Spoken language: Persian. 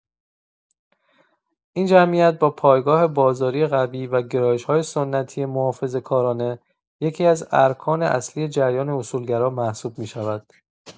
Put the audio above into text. این جمعیت با پایگاه بازاری قوی و گرایش‌های سنتی محافظه‌کارانه، یکی‌از ارکان اصلی جریان اصولگرا محسوب می‌شود.